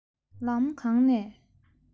ལམ གང ནས